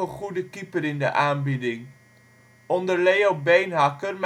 goede keeper in de aanbieding. Onder Leo Beenhakker